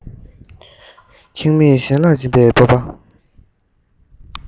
ཁེངས མེད གཞན ལ སྦྱིན པའི སྤོབས པ